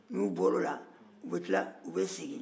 n'u bɔr'o la u bɛ tilla u bɛ segin